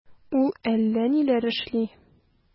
Ул әллә ниләр эшли...